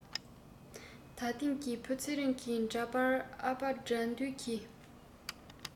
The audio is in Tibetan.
ད ཐེངས ཀྱི བུ ཚེ རིང གི འདྲ པར ཨ ཕ དགྲ འདུལ གྱི